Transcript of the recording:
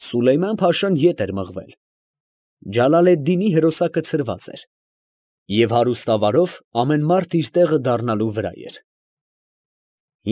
Սուլեյման֊փաշան ետ էր մղվել։ Ջալալեդդինի հրոսակը ցրված էր, և հարուստ ավարով ամեն մարդ իր տեղը դառնալու վրա էր։